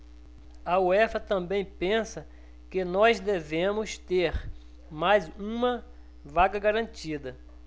a uefa também pensa que nós devemos ter mais uma vaga garantida